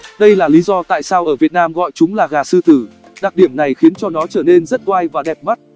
đây là lý do tại sao ở việt nam gọi chúng là gà sử tử đặc điểm này khiến cho nó trở nên rất oai và đẹp mắt